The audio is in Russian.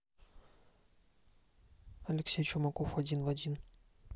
алексей чумаков один в один